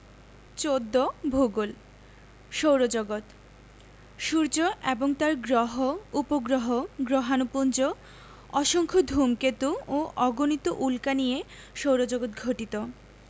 ১৪ ভূগোল সৌরজগৎ সূর্য এবং তার গ্রহ উপগ্রহ গ্রহাণুপুঞ্জ অসংখ্য ধুমকেতু ও অগণিত উল্কা নিয়ে সৌরজগৎ গঠিত